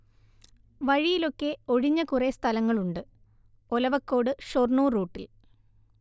വഴിയിലൊക്കെ ഒഴിഞ്ഞ കുറേ സ്ഥലങ്ങൾ ഉണ്ട്, ഒലവക്കോട്-ഷൊർണൂർ റൂട്ടിൽ